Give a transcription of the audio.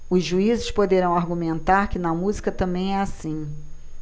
os juízes poderão argumentar que na música também é assim